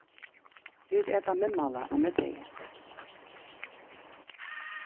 vit eta miðmála á middegi